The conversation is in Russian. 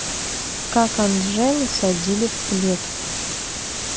как анджелы садили в клетку